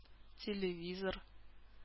Телевизор